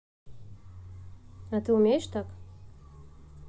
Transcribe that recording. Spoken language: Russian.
а ты умеешь так